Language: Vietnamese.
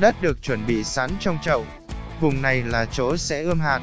đất được chuẩn bị sẵn trong chậu vùng này là chỗ sẽ ươm hạt